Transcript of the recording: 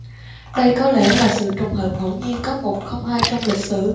đây có lẽ là sự trùng hợp ngẫu nhiên có một không hai trong lịch sử